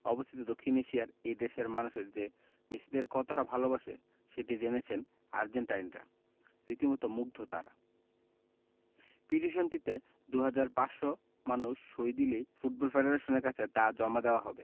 অবস্থিত দক্ষিণ এশিয়ার এই দেশের মানুষ যে মেসিদের কতটা ভালোবাসে সেটি জেনেছেন আর্জেন্টাইনরা রীতিমতো মুগ্ধ তাঁরা পিটিশনটিতে ২ হাজার ৫০০ মানুষ সই দিলেই ফুটবল ফেডারেশনের কাছে তা জমা দেওয়া হবে